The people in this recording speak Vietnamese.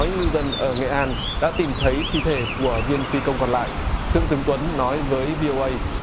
nói ngư dân ở nghệ an đã tìm thấy thi thể của viên phi công còn lại thượng tướng tuấn nói với v ô ây